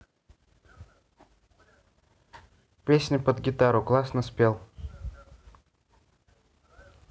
песня под гитару классно спел